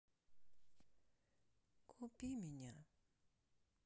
купи меня